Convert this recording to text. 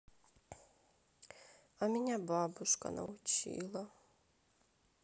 а меня бабушка научила